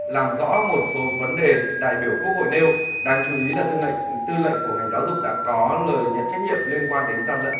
làm rõ một số vấn đề đại biểu quốc hội nêu đáng chú ý là tư lệnh tư lệnh của ngành giáo dục đã có lời nhận trách nhiệm liên quan đến gian lận